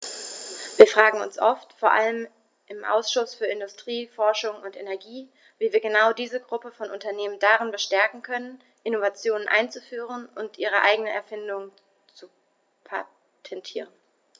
Wir fragen uns oft, vor allem im Ausschuss für Industrie, Forschung und Energie, wie wir genau diese Gruppe von Unternehmen darin bestärken können, Innovationen einzuführen und ihre eigenen Erfindungen zu patentieren.